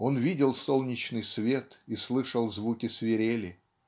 Он видел солнечный свет и слышал звуки свирели